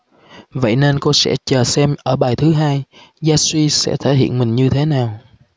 vậy nên cô sẽ chờ xem ở bài thứ hai ya suy sẽ thể hiện mình như thế nào